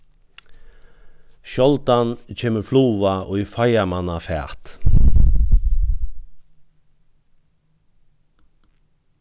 sjáldan kemur fluga í feiga manna fat